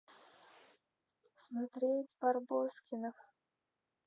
смотреть барбоскиных